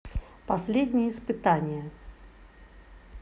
последнее испытание